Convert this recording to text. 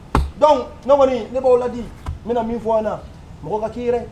Donc ne kɔni ne baw ladi n bɛna min fɔ anw ɲɛna , mɔgɔ ka ki yɛrɛ